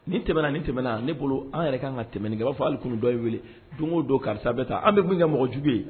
Ni tɛmɛna ni tɛmɛna ne bolo an yɛrɛ ka kan ka tɛmɛ nin b'a fɔ'alekuru dɔ in wele don o don karisa bɛ taa an bɛ kun kɛ mɔgɔ jugu ye